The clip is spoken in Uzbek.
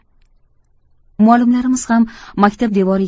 muallimlarimiz ham maktab devoriy